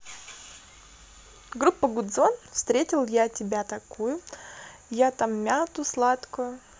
группа гудзон встретил я тебя такую я там мяту сладкую